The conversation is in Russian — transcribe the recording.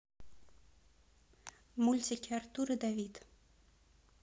мультики артур и давид